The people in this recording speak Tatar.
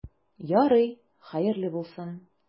Ярый, хәерле булсын.